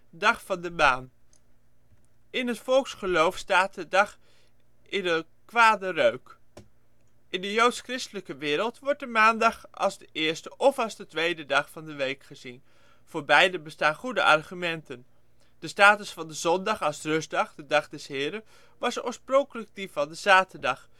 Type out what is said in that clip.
dag van de maan. In het volksgeloof staat de dag in een kwade reuk. In de joods-christelijke wereld wordt de maandag als de eerste of als de tweede dag van de week gezien. Voor beide bestaan goede argumenten. De status van de zondag als rustdag (de Dag des Heren) was oorspronkelijk die van de zaterdag